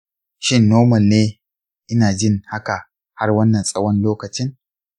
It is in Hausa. shin nomal ne ina jin haka har wannan tsawon lokacin?